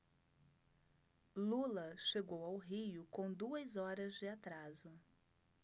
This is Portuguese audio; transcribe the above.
lula chegou ao rio com duas horas de atraso